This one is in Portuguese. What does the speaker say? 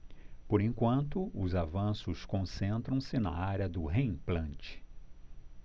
por enquanto os avanços concentram-se na área do reimplante